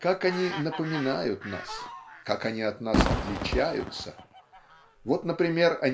Как они напоминают нас, как они от нас отличаются! Вот например